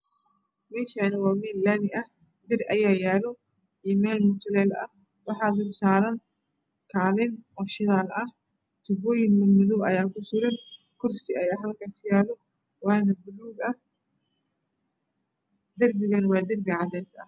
Meeshaani waa meel laami ah bir ayaa yaalo iyo meel mutuleel ah waxa dul saaran kaalin oo shidaal ah tubooyin madmadow ayaa ku suran kursi ayaa halkaas yaalo waana buluug ah darbigana waa darbi cadays ah